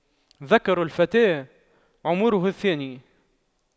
ذكر الفتى عمره الثاني